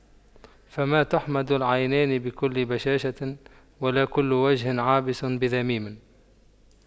فما تحمد العينان كل بشاشة ولا كل وجه عابس بذميم